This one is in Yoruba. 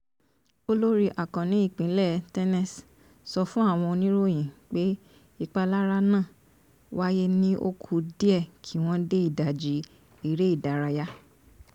Olórí Akọ́ni ìpínlẹ̀ Tennessee sọ fún àwọn oníròyìn pé ìpalára náà wáyé ní ó kù díẹ̀ kí wọ́n dé ìdajì eré ìdárayá.